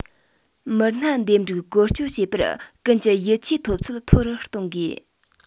མི སྣ འདེམས སྒྲུག བཀོལ སྤྱོད བྱེད པར ཀུན གྱི ཡིད ཆེས ཐོབ ཚད མཐོ རུ གཏོང དགོས